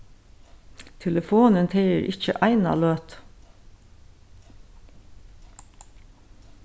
telefonin tegir ikki eina løtu